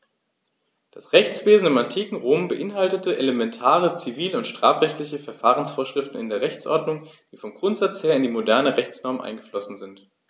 Das Rechtswesen im antiken Rom beinhaltete elementare zivil- und strafrechtliche Verfahrensvorschriften in der Rechtsordnung, die vom Grundsatz her in die modernen Rechtsnormen eingeflossen sind.